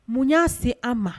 Mun y'a se an ma?